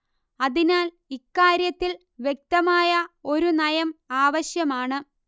അതിനാല് ഇക്കാര്യത്തില് വ്യക്തമായ ഒരു നയം ആവശ്യമാണ്